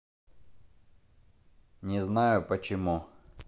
не знаю почему